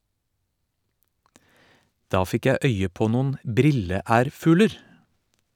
Da fikk jeg øye på noen brilleærfugler.